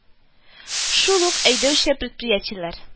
Шул ук әйдәүче предприятиеләр